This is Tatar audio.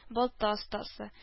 Балта остасы